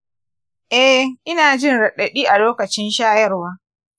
eh, ina jin raɗaɗi a lokacin shayarwa